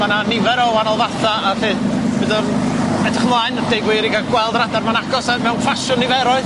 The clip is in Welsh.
Ma' 'na nifer o wahanol fatha a felly byddwn edrych mlaen a deu gwir i ga'l gweld yr adar 'ma'n agos a mewn ffasiwn niferoedd.